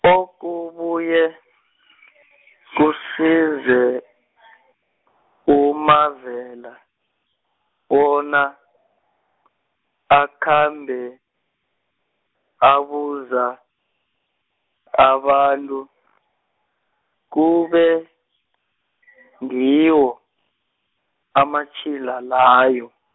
okubuye, kusize, uMavela, bona, akhambe, abuza, abantu, kube, ngiwo, amatjhila layo.